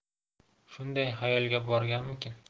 shunday xayolga borganmikin